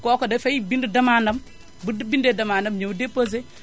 kooka dafay bind demande am bu bindee demande am ñëw déposé